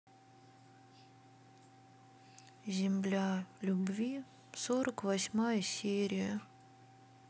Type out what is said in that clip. земля любви сорок восьмая серия